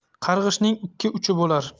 qarg'ishning ikki uchi bo'lar